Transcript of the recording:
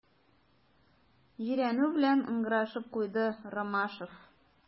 Җирәнү белән ыңгырашып куйды Ромашов.